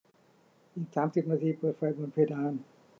อีกสามสิบนาทีเปิดไฟบนเพดาน